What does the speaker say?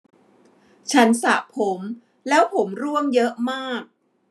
ฉันสระผมแล้วผมร่วงเยอะมาก